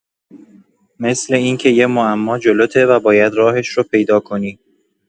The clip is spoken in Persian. مثل این که یه معما جلوته و باید راهش رو پیدا کنی.